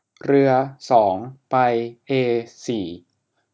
เรือสองไปเอสี่